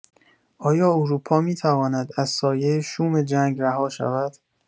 آیا اروپا می‌تواند از سایه شوم جنگ رها شود؟